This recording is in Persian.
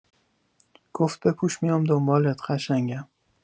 گفت بپوش میام دنبالت قشنگم.